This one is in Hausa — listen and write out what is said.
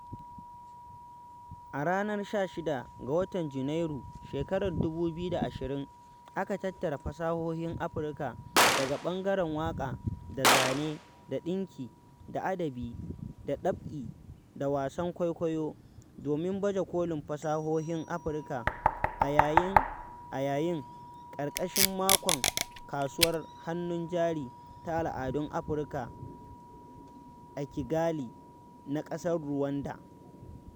A ranar 16 ga watan Junairun shekarar 2020 aka tattara fasahohin Afirka daga ɓangaren waƙa da zane da ɗinki da adabi da ɗab'i da wasan kwaikwayo domin baje kolin fasahohin Afirka a yayin ƙarshen makon Kasuwar Hannun Jari ta al'adun Afirka a Kigali na ƙasar Ruwanda.